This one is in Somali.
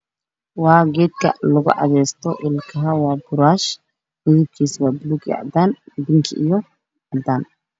Waa geedka lagu cadeysta ilkaha wa buraash midabkiisu waa baluug iyo cadaan bingi iyo cadaan